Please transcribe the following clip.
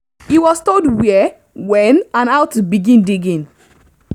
He was told where, when, and how to begin digging.